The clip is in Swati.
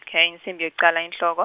insimbi yekucala enhloko.